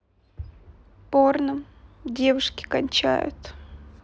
порно девушки кончают